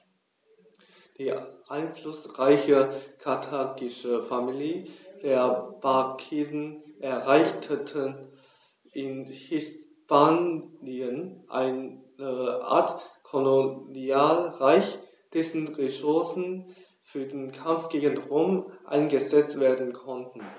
Die einflussreiche karthagische Familie der Barkiden errichtete in Hispanien eine Art Kolonialreich, dessen Ressourcen für den Kampf gegen Rom eingesetzt werden konnten.